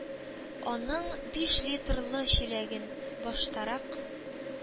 Аның биш литрлы чиләген баштарак